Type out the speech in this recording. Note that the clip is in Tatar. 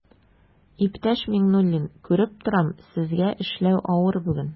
Иптәш Миңнуллин, күреп торам, сезгә эшләү авыр бүген.